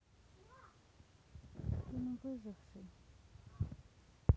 фильм выживший